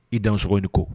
I da sogodi ko